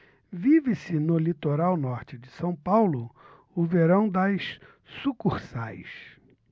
vive-se no litoral norte de são paulo o verão das sucursais